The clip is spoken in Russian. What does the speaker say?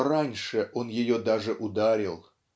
что раньше он ее даже ударил.